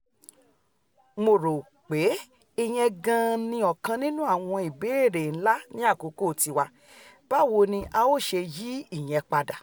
Mo ròpé ìyẹn gan-an ni ọ̀kan nínú àwọn ìbéèrè ńlá ní àkókò tiwa - báwo ni a ó ṣe yí ìyẹn padà?